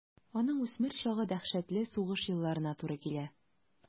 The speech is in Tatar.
Аның үсмер чагы дәһшәтле сугыш елларына туры килә.